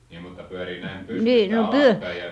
niin mutta pyörii näin pystystä alaspäin ja